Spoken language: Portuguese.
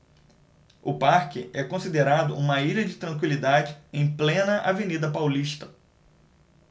o parque é considerado uma ilha de tranquilidade em plena avenida paulista